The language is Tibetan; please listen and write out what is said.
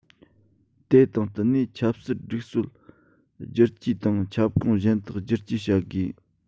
དེ དང བསྟུན ནས ཆབ སྲིད སྒྲིག སྲོལ བསྒྱུར བཅོས དང ཁྱབ ཁོངས གཞན དག བསྒྱུར བཅོས བྱ དགོས